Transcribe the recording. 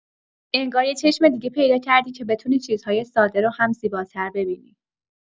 انگار یه چشم دیگه پیدا کردی که بتونی چیزهای ساده رو هم زیباتر ببینی.